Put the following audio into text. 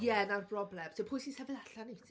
Ie, na'r broblem. So, pwy sy'n sefyll allan i ti?